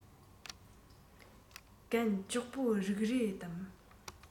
གན ལྕོགས པོ རི རེད དམ